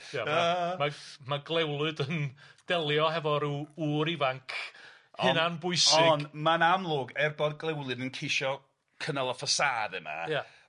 Ia, ma' mae ma' Glewlyd yn delio hefo ryw ŵr ifanc ... On'.... ...hunan bwysig... ...on' ma'n amlwg, er bod Glewlyd yn ceisio cynnal y ffasâd yma... Ia. ...